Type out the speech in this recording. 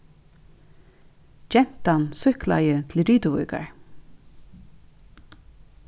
gentan súkklaði til rituvíkar